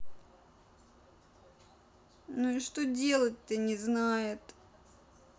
ну и что делать то не знает